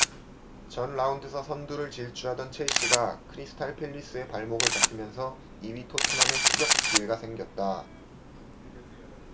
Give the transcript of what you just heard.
전 라운드서 선두를 질주하던 첼시가 크리스탈 팰리스에 발목을 잡히면서 이 위 토트넘에 추격 기회가 생겼다